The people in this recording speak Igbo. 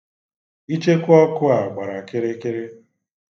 Ichekuọkụ a gbara kịrikịrị.